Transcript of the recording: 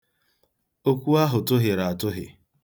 Okwu ahụ tụhịrị atụhị.